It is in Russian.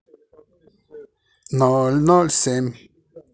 ноль ноль семь